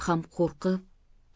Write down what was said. ham qo'rqib